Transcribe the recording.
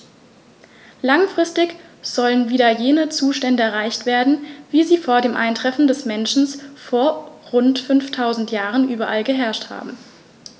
Langfristig sollen wieder jene Zustände erreicht werden, wie sie vor dem Eintreffen des Menschen vor rund 5000 Jahren überall geherrscht haben.